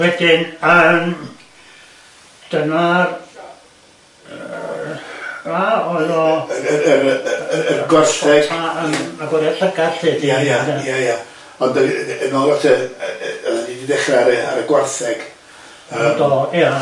Wedyn yym dyna'r yy yy o'dd o... Yr y yr y y y y y gwartheg... yn agoriad llygad 'lly... Ia ia ia ia... Ond yn ôl at y... o'dda chdi 'di dechra ar y gwartheg yym... Do ia